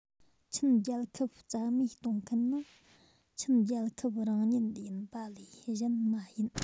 ཆིན རྒྱལ ཁབ རྩ མེད གཏོང མཁན ནི ཆིན རྒྱལ ཁབ རང ཉིད ཡིན པ ལས གཞན མ ཡིན